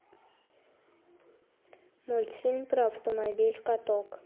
мультфильм про автомобиль каток